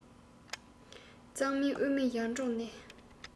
གཙང མིན དབུས མིན ཡར འབྲོག ནས